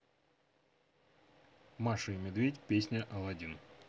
маша и медведь песня алладин